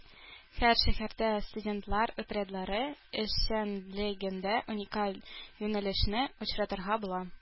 Һәр шәһәрдә студентлар отрядлары эшчәнлегендә уникаль юнәлешне очратырга була